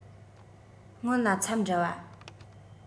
སྔོན ལ འཚམས འདྲི པ